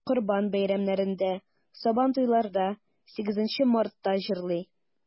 Корбан бәйрәмнәрендә, Сабантуйларда, 8 Мартта җырлый.